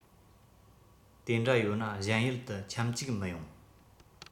དེ འདྲ ཡོད ན གཞན ཡུལ དུ ཁྱམས བཅུག མི ཡོང